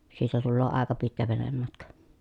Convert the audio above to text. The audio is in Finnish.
siitä tulee aika pitkä venematka